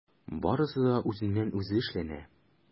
Барысы да үзеннән-үзе эшләнә.